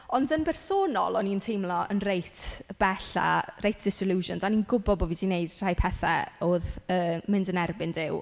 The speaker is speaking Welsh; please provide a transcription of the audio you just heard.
Ond yn bersonol, o'n i'n teimlo yn reit bell a reit disillusioned. O'n i'n gwbo' bo' fi 'di wneud rhai pethau oedd yy mynd yn erbyn Duw.